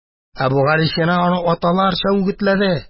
Әбүгалисина аны аталарча үгетләде